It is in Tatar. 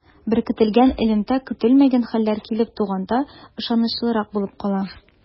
Беркетелгән элемтә көтелмәгән хәлләр килеп туганда ышанычлырак булып кала.